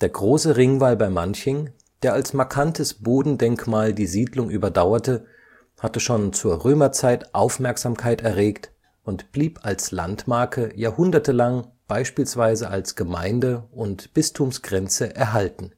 große Ringwall bei Manching, der als markantes Bodendenkmal die Siedlung überdauerte, hatte schon zur Römerzeit Aufmerksamkeit erregt und blieb als Landmarke jahrhundertelang beispielsweise als Gemeinde - und Bistumsgrenze erhalten